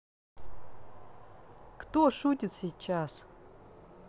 кто шутит сейчас